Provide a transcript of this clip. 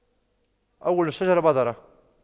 أول الشجرة بذرة